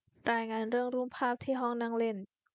รายงานเรื่องรูปภาพที่ห้องนั่งเล่น